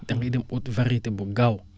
da ngay dem uti variété bu gaaw